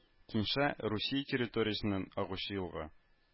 Кеньша Русия территориясеннән агучы елга